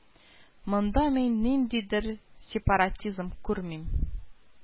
Монда мин ниндидер сепаратизм күрмим